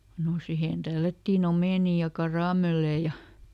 no siihen tällättiin omenia ja karamelleja ja